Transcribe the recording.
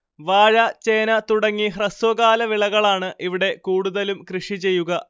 വാഴ ചേന തുടങ്ങി ഹ്രസ്വകാലവിളകളാണ് ഇവിടെ കൂടുതലും കൃഷിചെയ്യുക